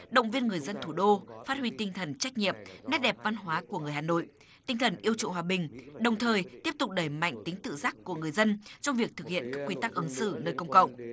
động viên người dân thủ đô phát huy tinh thần trách nhiệm nét đẹp văn hóa của người hà nội tinh thần yêu chuộng hòa bình đồng thời tiếp tục đẩy mạnh tính tự giác của người dân trong việc thực hiện các quy tắc ứng xử nơi công cộng